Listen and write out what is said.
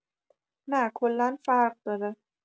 نه کلا فرق داره